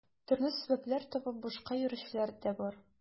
Төрле сәбәпләр табып бушка йөрүчеләр дә бар.